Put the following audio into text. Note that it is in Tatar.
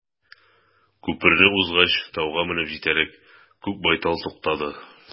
Күперне узгач, тауга менеп җитәрәк, күк байтал туктады.